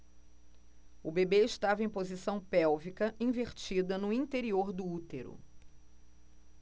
o bebê estava em posição pélvica invertida no interior do útero